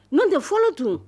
Nɔntɛ fɔlɔ tun